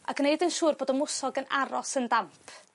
a gneud yn siŵr bod y mwsog yn aros yn damp